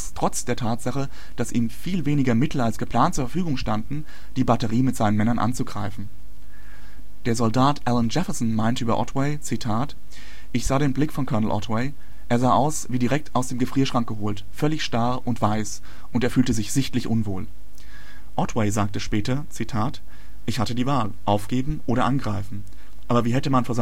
trotz der Tatsache, dass ihm viel weniger Mittel als geplant zur Verfügung standen, die Batterie mit seinen Männern anzugreifen. Der Soldat Alan Jefferson meinte über Otway: " Ich sah den Blick von Colonel Otway. Er sah aus, wie direkt aus dem Gefrierschrank geholt, völlig starr und weiß und er fühlte sich sichtlich unwohl. " Otway sagte später: " Ich hatte die Wahl: Aufgeben oder Angreifen. Aber wie hätte man vor